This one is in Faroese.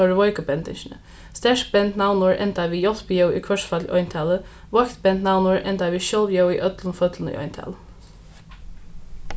teirri veiku bendingini sterkt bend navnorð enda við í hvørsfalli eintali veikt bend navnorð enda við sjálvljóði í øllum føllum í eintali